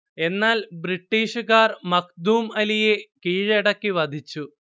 എന്നാൽ ബ്രിട്ടീഷുകാർ മഖ്ദൂം അലിയെ കീഴടക്കി വധിച്ചു